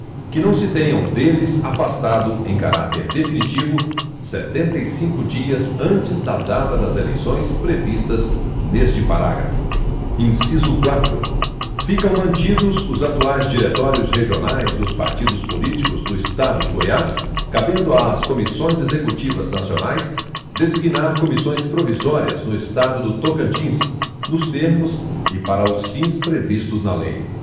que não se tenham deles afastado em caráter definitivo setenta e cinco dias antes da data das eleições previstas neste parágrafo inciso quatro ficam mantidos os atuais diretórios regionais dos partidos políticos do estado de goiás cabendo às comissões executivas nacionais designar comissões provisórias no estado do tocantins nos termos e para os fins previstos na lei